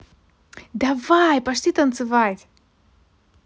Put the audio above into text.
давай пошли танцевать